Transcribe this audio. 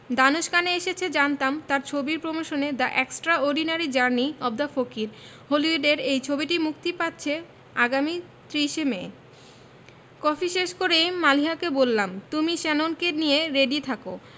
ধানুশ কানে এসেছে জানতাম তার ছবির প্রমোশনে the extraordinary journey of the Fakir হলিউডের এই ছবিটি মুক্তি পাচ্ছে আগামী ৩০ শে মে কফি শেষ করেই মালিহাকে বললাম তুমি শ্যাননকে নিয়ে রেডি থাক